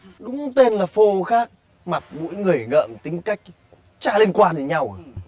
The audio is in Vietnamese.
đúng tên là phô có khác mặt mũi người ngợm tính cách chả liên quan đến nhau